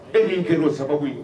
E min kɛ n'o sababu ye